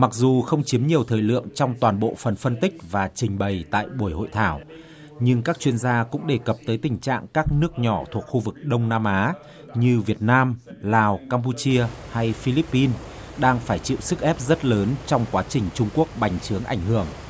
mặc dù không chiếm nhiều thời lượng trong toàn bộ phận phân tích và trình bày tại buổi hội thảo nhưng các chuyên gia cũng đề cập tới tình trạng các nước nhỏ thuộc khu vực đông nam á như việt nam lào cam pu chia hay phi líp pin đang phải chịu sức ép rất lớn trong quá trình trung quốc bành trướng ảnh hưởng